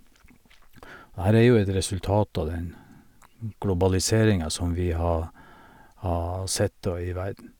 Det her er jo et resultat av den globaliseringen som vi har har sett, da, i verden.